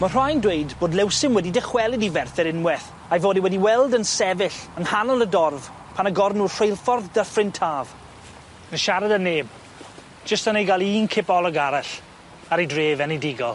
Ma' rhai'n dweud bod Lewsyn wedi dychwelyd i Ferthyr unweth a'i fod e wedi'i weld yn sefyll yng nghanol y dorf pan agoro' nw'r rheilffordd Dyffryn Taf yn siarad â neb jyst yna i ga'l un cipolwg ar ei dref enedigol.